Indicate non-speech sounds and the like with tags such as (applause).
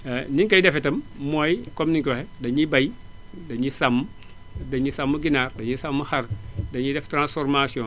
(hesitation) ni ñu koy defee itam mooy comme ni nga ko waxee dañuy bay dañy sàmm dañuy sàmm ginaar dañuy sàmm xar (noise) dañuy def transformation